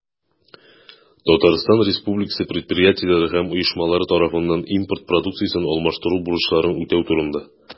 Татарстан Республикасы предприятиеләре һәм оешмалары тарафыннан импорт продукциясен алмаштыру бурычларын үтәү турында.